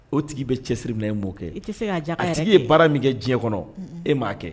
O tigi bɛ cɛsiri minɛ ye mɔ kɛ tɛ se tigi ye baara min kɛ diɲɛ kɔnɔ e m'a kɛ